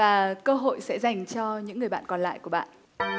và cơ hội sẽ dành cho những người bạn còn lại của bạn